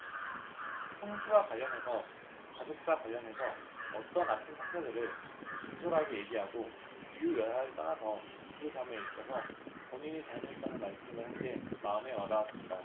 형수와 관련해서 가족사 관련해서 어떤 아픈 상처들을 진솔하게 얘기하고 이유 여하를 떠나서 그 점에 있어서 본인이 잘못했다는 말씀을 한 게 마음에 와 닿았습니다